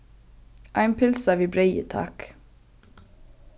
eina pylsu við breyði takk